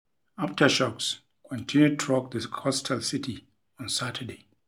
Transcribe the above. Aftershocks continued to rock the coastal city on Saturday.